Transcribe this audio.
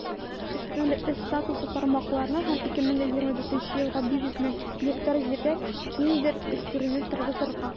Өстенлекле статуслы тармакларны һәм 2024 елга 500 мең гектар җирдә киндер үстерүне торгызырга.